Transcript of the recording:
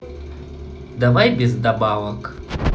давай без добавок